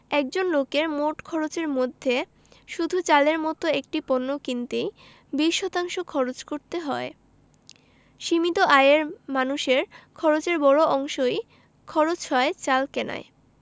একজন লোকের মোট খরচের মধ্যে শুধু চালের মতো একটি পণ্য কিনতেই ২০ শতাংশ খরচ করতে হয় সীমিত আয়ের মানুষের খরচের বড় অংশই খরচ হয় চাল কেনায়